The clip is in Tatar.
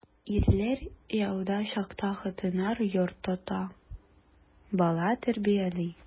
Ирләр яуда чакта хатыннар йорт тота, бала тәрбияли.